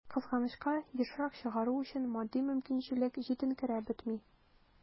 Кызганычка, ешрак чыгару өчен матди мөмкинчелек җитенкерәп бетми.